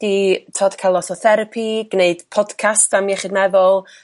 'di t'od ca'l lot o therapi g'neud podcast am iechyd meddwl